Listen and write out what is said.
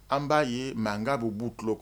An b'a ye mankanka b bɛ b'u tulo kɔnɔ